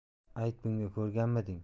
ayt bunga ko'rganmiding